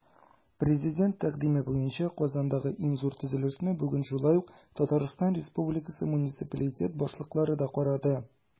Президент тәкъдиме буенча Казандагы иң зур төзелешне бүген шулай ук ТР муниципалитет башлыклары да карады.